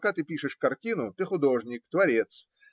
пока ты пишешь картину - ты художник, творец